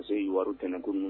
Parce se ye warirutkuru minɛ